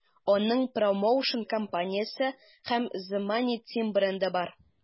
Аның үз промоушн-компаниясе һәм The Money Team бренды бар.